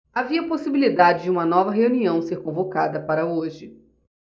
havia possibilidade de uma nova reunião ser convocada para hoje